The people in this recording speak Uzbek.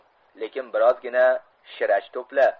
lekin bir ozgina shirach to'pla